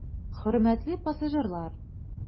Хөрмәтле пассажирлар!